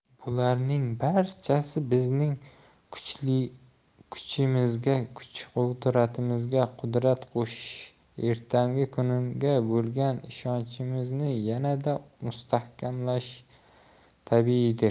bularning barchasi bizning kuchimizga kuch qudratimizga qudrat qo'shishi ertangi kunga bo'lgan ishonchimizni yanada mustahkamlashi tabiiydir